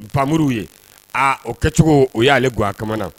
Npmuru ye aa o kɛcogo o y'aale ga ka